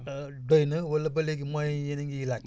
doy na wala ba léegi moyens yi yéen a ngi laajte